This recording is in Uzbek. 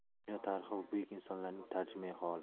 dunyo tarixi bu buyuk insonlarning tarjimai holi